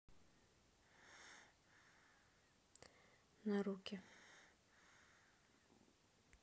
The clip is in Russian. на руки